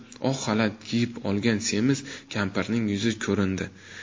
oq xalat kiyib olgan semiz kampirning yuzi ko'rindi